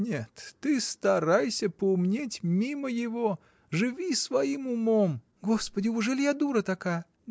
Нет, ты старайся поумнеть мимо его, живи своим умом. — Господи! ужели я дура такая?